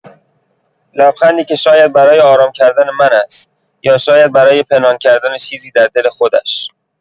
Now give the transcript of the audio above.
لبخندی که شاید برای آرام‌کردن من است، یا شاید برای پنهان کردن چیزی در دل خودش.